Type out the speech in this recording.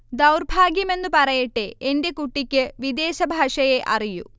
ദൗർഭാഗ്യമെന്നു പറയട്ടെ, എന്റെ കുട്ടിക്ക് വിദേശഭാഷയേ അറിയൂ